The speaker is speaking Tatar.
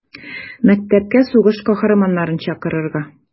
Мәктәпкә сугыш каһарманнарын чакырырга.